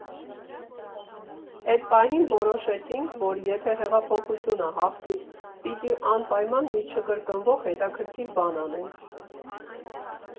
Էդ պահին որոշեցինք, որ եթե հեղափոխությունը հաղթի, պիտի անպայման մի չկրկնվող հետաքրքիր բան անենք։